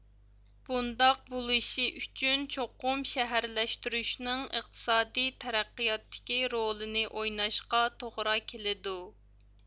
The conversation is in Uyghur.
بۇنداق بولۇشى ئۈچۈن چوقۇم شەھەرلەشتۈرۈشنىڭ ئىقتىسادىي تەرەققىياتتىكى رولىنى ئويلىشىشقا توغرا كېلىدۇ